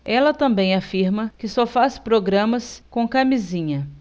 ela também afirma que só faz programas com camisinha